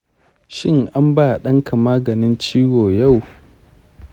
shin an ba ɗanka maganin ciwo yau?